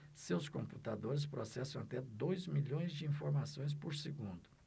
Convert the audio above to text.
seus computadores processam até dois milhões de informações por segundo